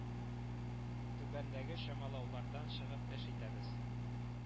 Түбәндәге чамалаулардан чыгып эш итәбез: